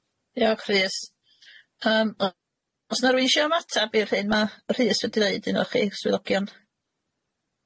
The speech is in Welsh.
Diolch Rhys. Yym o- os na rywun isio am atab i'r hyn ma' Rhys wedi ddeud unoch chi swyddogion?